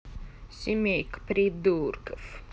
семейка придурков